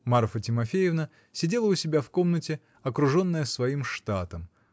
Марфа Тимофеевна сидела у себя в комнате, окруженная своим штатом.